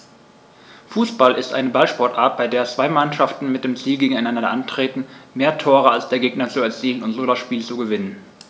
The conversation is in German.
Fußball ist eine Ballsportart, bei der zwei Mannschaften mit dem Ziel gegeneinander antreten, mehr Tore als der Gegner zu erzielen und so das Spiel zu gewinnen.